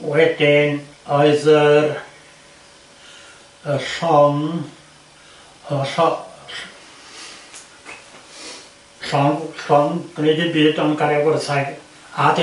Wedyn oedd yr y llong o'r llo- llo- llong llong gwneud dim byd ond cario gwertheg a